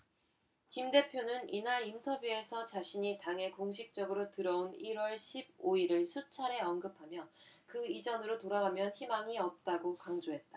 김 대표는 이날 인터뷰에서 자신이 당에 공식적으로 들어온 일 월 십 오 일을 수차례 언급하며 그 이전으로 돌아가면 희망이 없다고 강조했다